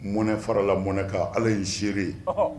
Mɔnɛ farala mɔnɛ kan Ala ye n seere ye ɔhɔ